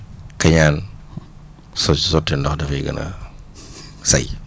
keñaan soo si sottee ndox dafay gën a say